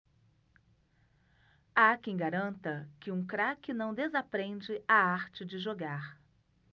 há quem garanta que um craque não desaprende a arte de jogar